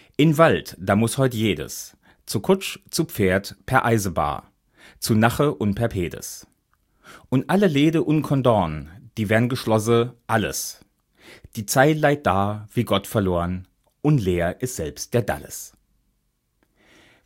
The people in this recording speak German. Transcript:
In Wald, da muß heut Jedes, Zu Kutsch, zu Pferd, per Eisebah, Zu Nache un per Pedes. Un alle Läde un Condorn, Die wern geschlosse; Alles! Die Zeil leiht da, wie gottverlorn, Un leer is selbst der Dalles!...